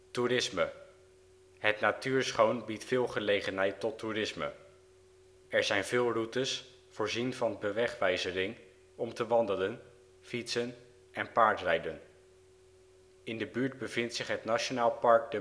Het natuurschoon biedt veel gelegenheid tot toerisme. Er zijn veel routes, voorzien van bewegwijzering, om te wandelen, fietsen en paardrijden. In de buurt bevindt zich het Nationaal Park